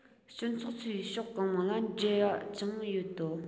སྤྱི ཚོགས འཚོ བའི ཕྱོགས གང མང ལ འབྲེལ ཀྱང ཡོད དོ